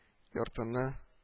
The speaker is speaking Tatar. Яртыны